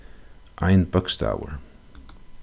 ein bókstavur